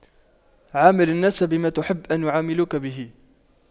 عامل الناس بما تحب أن يعاملوك به